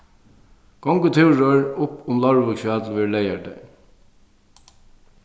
gongutúrur upp um leirvíksfjall verður leygardagin